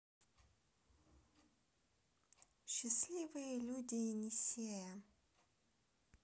счастливые люди енисея